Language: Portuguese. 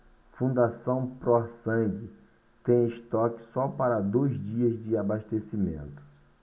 fundação pró sangue tem estoque só para dois dias de abastecimento